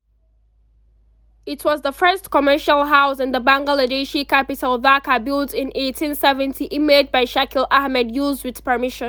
It was the first commercial house in the Bangladeshi capital, Dhaka, built in 1870. Image by Shakil Ahmed, used with permission.